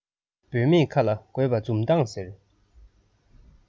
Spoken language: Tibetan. བུད མེད ཁ ལ དགོས པ འཛུམ མདངས ཟེར